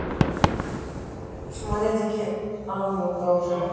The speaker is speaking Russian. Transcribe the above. смотреть дикий ангел в браузере